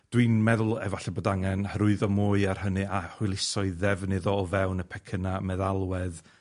dwi'n meddwl efalle bod angen hyrwyddo mwy ar hynny a hwyluso ei ddefnydd o fewn y pecyna meddalwedd